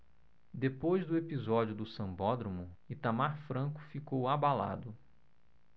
depois do episódio do sambódromo itamar franco ficou abalado